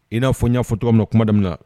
I n'a fɔ n y'a ɲɛfɔ tɔgɔ min na kumamin